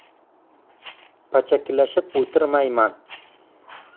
pachakilashib o'tirmayman